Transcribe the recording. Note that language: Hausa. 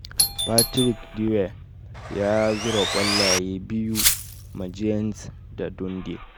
Patrick Dwyer ya zura kwallaye biyu ma Giants ga Dundee